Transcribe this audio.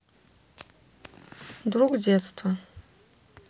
друг детства